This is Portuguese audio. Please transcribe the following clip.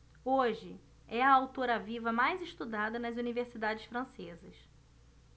hoje é a autora viva mais estudada nas universidades francesas